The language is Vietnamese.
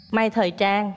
may thời trang